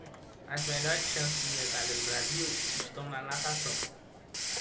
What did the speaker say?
as melhores chances de medalha do brasil estão na natação